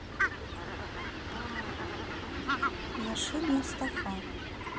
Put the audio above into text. nasheed мустафа